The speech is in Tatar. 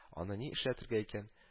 Аны ни эшләтерләр икән